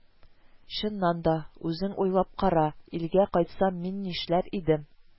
Чыннан да, үзең уйлап кара, илгә кайтсам, мин нишләр идем